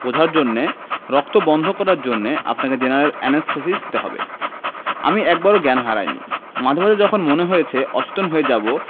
বোঝার জন্যে রক্ত বন্ধ করার জন্যে আপনাকে জেনারেল অ্যানেসথেসিস দিতে হবে আমি একবারও জ্ঞান হারাইনি মাঝে মাঝে যখন মনে হয়েছে অচেতন হয়ে যাবো